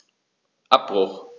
Abbruch.